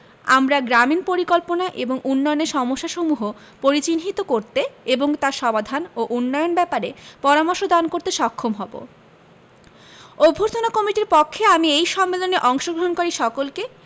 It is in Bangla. আমরা গ্রামীন পরিকল্পনা এবং উন্নয়নের সমস্যাসমূহ পরিচিহ্নিত করতে এবং তার সমাধান ও উন্নয়ন ব্যাপারে পরামর্শ দান করতে সক্ষম হবো অভ্যর্থনা কমিটির পক্ষে আমি এই সম্মেলনে অংশগ্রহণকারী সকলকে